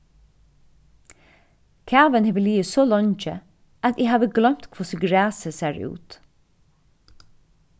kavin hevur ligið so leingi at eg havi gloymt hvussu grasið sær út